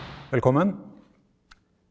velkommen.